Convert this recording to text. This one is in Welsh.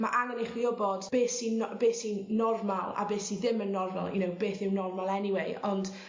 ma' angen i chdi wbod be' sy'n no- be' sy'n normal a be' sy ddim yn normal you know beth yw normal anyway ond